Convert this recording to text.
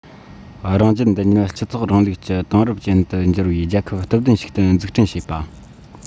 རང རྒྱལ འདི ཉིད སྤྱི ཚོགས རིང ལུགས ཀྱི དེང རབས ཅན དུ འགྱུར བའི རྒྱལ ཁབ སྟོབས ལྡན ཞིག ཏུ འཛུགས སྐྲུན བྱེད པ